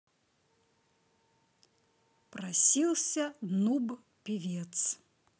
просился нуб певец